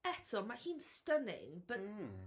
Eto, mae hi'n stunning, but... Mm.